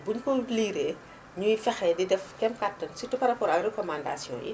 buñu ko liiree ñuy fexe di def kéem kattan surtout par rapport ak recommandations yi